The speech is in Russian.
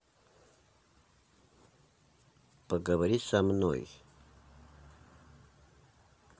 поговори со мной